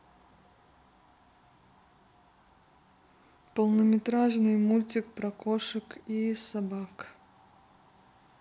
полнометражный мультик про кошек и собак